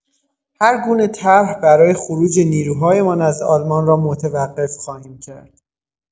هرگونه طرح برای خروج نیروهایمان از آلمان را متوقف خواهیم کرد.